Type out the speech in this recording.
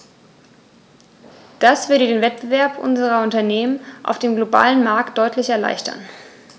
Das würde den Wettbewerb unserer Unternehmen auf dem globalen Markt deutlich erleichtern.